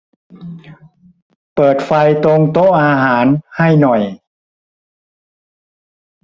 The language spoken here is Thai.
เปิดไฟตรงโต๊ะอาหารให้หน่อย